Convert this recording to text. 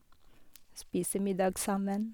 Spise middag sammen.